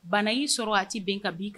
Bana y'i sɔrɔ a tɛ bɛn ka bin kan